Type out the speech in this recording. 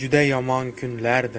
juda yomon kunlardir